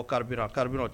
Ko carburant, carburant o